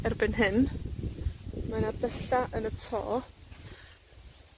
erbyn hyn, mae 'na dylla' yn y to.